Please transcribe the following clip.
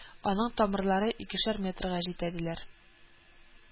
Аның тамырлары икешәр метрга җитә, диләр